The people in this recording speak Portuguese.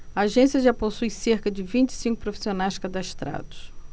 a agência já possui cerca de vinte e cinco profissionais cadastrados